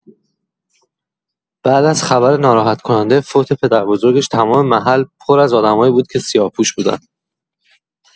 بعد از خبر ناراحت‌کننده فوت پدربزرگش، تمام محل پر از آدمایی بود که سیاه‌پوش بودن.